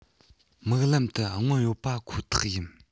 མིག ལམ དུ མངོན ཡོད པ ཁོ ཐག ཡིན